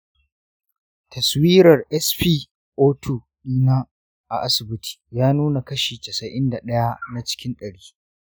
taswirar spo2 ɗina a asibiti ya nuna kashi casa'in da ɗaya na cikin ɗari.